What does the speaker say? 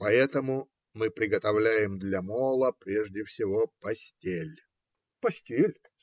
поэтому мы приготовляем для мола прежде всего постель. - Постель?